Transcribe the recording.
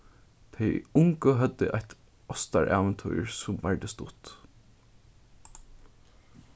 tey ungu høvdu eitt ástarævintýr sum vardi stutt